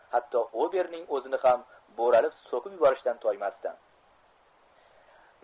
hatto obeming o'zini ham bo'ralab so'kib yuborishdan toymasdi